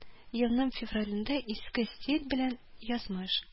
Елның февралендә иске стиль белән язмыш